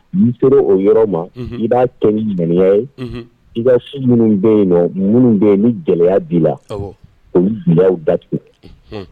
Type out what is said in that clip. N' sera o yɔrɔ ma i b'a kɛ ni ŋya ye i minnu bɛ yen minnu bɛ yen ni gɛlɛya bi la o gɛlɛya dat